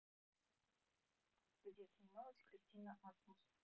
где снималась кристина асмус